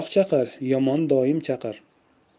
chaqar yomon doim chaqar